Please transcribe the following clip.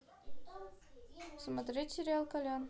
смотреть сериал колян